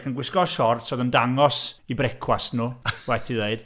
Ac yn gwisgo siorts oedd yn dangos eu brecwast nhw, waeth ti ddeud.